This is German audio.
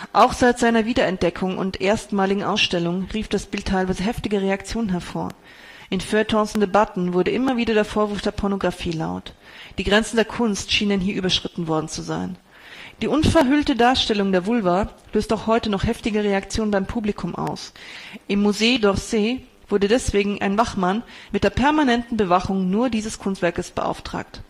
Auch seit seiner Wiederentdeckung und erstmaligen Ausstellung rief das Bild teilweise heftige Reaktionen hervor. In Feuilletons und Debatten wurde immer wieder der Vorwurf der Pornographie laut: Die Grenzen der Kunst schienen hier überschritten worden zu sein. Die unverhüllte Darstellung der Vulva löst auch heute noch heftige Reaktionen beim Publikum aus. Im Musée d’ Orsay wurde deswegen ein Wachmann mit der permanenten Bewachung nur dieses Kunstwerkes beauftragt